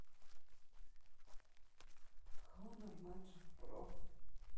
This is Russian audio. хонор мэджик про